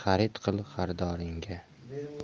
xarid qil xaridoringga